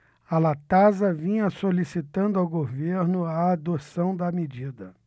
a latasa vinha solicitando ao governo a adoção da medida